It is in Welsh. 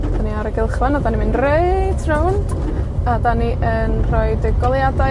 'Dan ni ar ygylchfan a 'dan ni mynd rownd, a 'dan ni yn rhoid y goleuadau